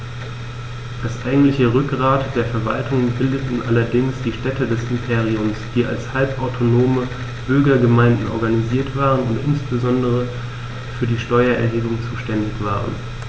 Das eigentliche Rückgrat der Verwaltung bildeten allerdings die Städte des Imperiums, die als halbautonome Bürgergemeinden organisiert waren und insbesondere für die Steuererhebung zuständig waren.